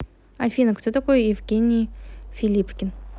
афина кто такой евгений филипкин